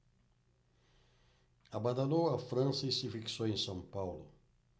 abandonou a frança e se fixou em são paulo